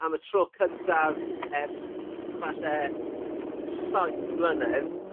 Am y tro cyntaf ers falle saith mlynedd.